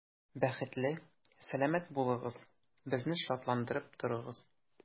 Бәхетле, сәламәт булыгыз, безне шатландырып торыгыз.